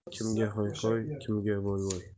kimga hoy hoy kimga voy voy